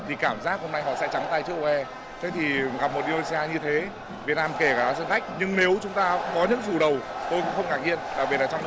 vì cảm giác hôm nay họ sẽ trắng tay trước u a e thế thì gặp một điều tra như thế việt nam kể cả đá sân khách nhưng nếu chúng ta có những chủ đầu tôi cũng không ngạc nhiên đặc biệt là trong